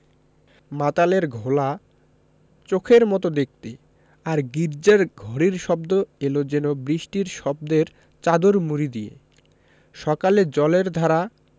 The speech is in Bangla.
মাতালের ঘোলা চোখের মত দেখতে আর গির্জ্জের ঘড়ির শব্দ এল যেন বৃষ্টির শব্দের চাদর মুড়ি দিয়ে সকালে জলের ধারা